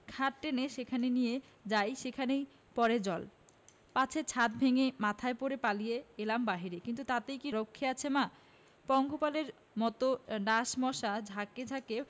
খাট টেনে সেখানে নিয়ে যাই সেখানেই পড়ে জল পাছে ছাত ভেঙ্গে মাথায় পড়ে পালিয়ে এলাম বাইরে কিন্তু তাতেই কি রক্ষে আছে মা পঙ্গপালের মত ডাঁশ মশা ঝাঁকে ঝাঁকে